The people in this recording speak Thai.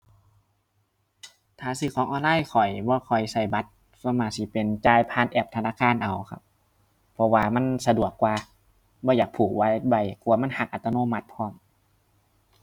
ถ้าซื้อของออนไลน์ข้อยบ่ค่อยใช้บัตร ส่วนมากสิเป็นจ่ายผ่านแอปธนาคารเอาครับ เพราะว่ามันสะดวกกว่า บ่อยากผูกหลายใบกลัวมันหักอัตโนมัติพร้อม